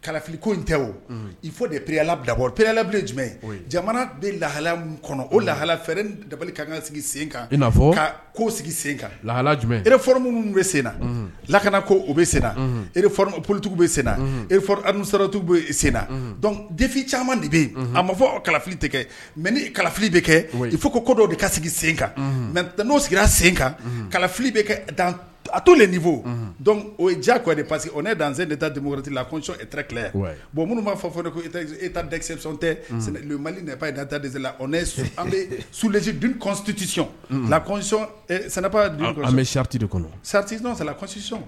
Kalaliko in tɛ o i fɔ de perelabilabɔ perelalanbbilen jumɛn jamana bɛ lahala kɔnɔ o lahala dabali kakanka sigi sen kan fɔ ka ko sigi senka laha f minnu bɛ senna lakanako o bɛ sen e politigiw bɛ senna esatu bɛ senna difi caman de bɛ yen a ma fɔ o kalali tɛ kɛ mɛ ni kalali bɛ kɛ i fo ko ko dɔw de ka sigi sen kan mɛ n'o sigira sen kan kalafili bɛ a to de nin fɔ o ja pa que o ne dansen de ta denmusobo wɛrɛti lasɔnɔn ere tila bon minnu b'a fɔ de ko e dɛsɛreti tɛ mali deba ye da taa desela ne s an bɛ sulasi bitutic lasɔn sɛnɛba an bɛ sati de kɔnɔ satiɔn salasicɔn